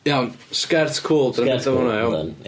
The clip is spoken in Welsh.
Iawn sgert cwl... Sgert cwl. ...Dwi'n mynd i dechrau fo hwnna iawn?